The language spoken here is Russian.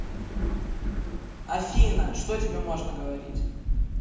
афина что тебе можно говорить